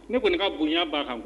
Ne kɔni ka bonya ba kan